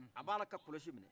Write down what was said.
a b' a la ka kɔlɔsi minɛ